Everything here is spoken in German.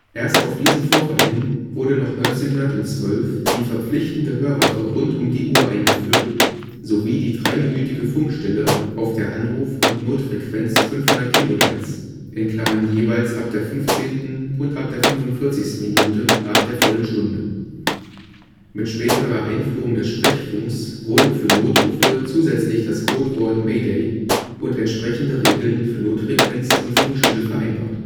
Erst auf diesen Vorfall hin wurde noch 1912 die verpflichtende „ Hörwache “rund um die Uhr eingeführt sowie die dreiminütige Funkstille auf der Anruf - und Notfrequenz 500 kHz (jeweils ab der 15. und ab der 45. Minute nach der vollen Stunde). Mit späterer Einführung des Sprechfunks wurden für Notrufe zusätzlich das Codewort „ Mayday “und entsprechende Regeln für Notfrequenz und Funkstille vereinbart